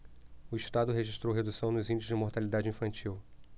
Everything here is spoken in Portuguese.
o estado registrou redução nos índices de mortalidade infantil